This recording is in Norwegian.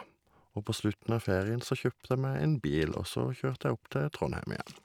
Og på slutten av ferien så kjøpte jeg meg en bil, og så kjørte jeg opp til Trondheim igjen.